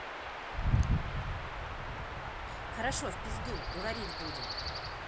хорошо в пизду говорить будем